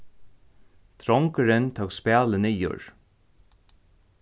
drongurin tók spælið niður